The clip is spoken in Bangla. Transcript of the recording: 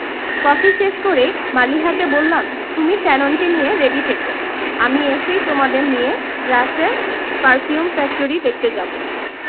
কফি শেষ করেই মালিহাকে বললাম তুমি শ্যাননকে নিয়ে রেডি থেকো আমি এসেই তোমাদের নিয়ে গ্রাসে পারফিউম ফ্যাক্টরি দেখতে যাবো